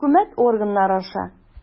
Хөкүмәт органнары аша.